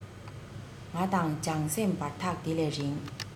ང དང བྱང སེམས བར ཐག དེ ལས རིང